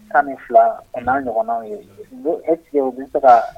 Tan ni fila o n'a ɲɔgɔnw ye don eseke u bɛ se ka